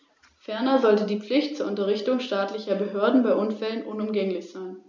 Auch ich möchte die Berichterstatterin zu ihrer ausgezeichneten Arbeit beglückwünschen.